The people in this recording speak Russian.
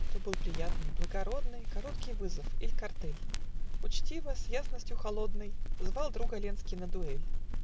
То был приятный, благородный, Короткий вызов, иль картель: Учтиво, с ясностью холодной Звал друга Ленский на дуэль.